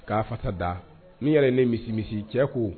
Ka fasa da. Min yɛrɛ ye ne misi misi cɛ ko